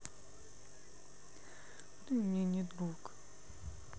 ты мне не друг